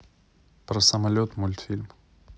про самолет мультфильм